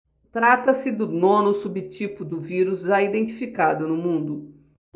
trata-se do nono subtipo do vírus já identificado no mundo